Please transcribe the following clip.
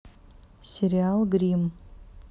сериал грим